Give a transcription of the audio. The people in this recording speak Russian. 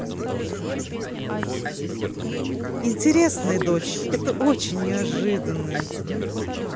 интересная дочь это очень неожиданное